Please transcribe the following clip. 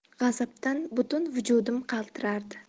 g'azabdan butun vujudim qaltirardi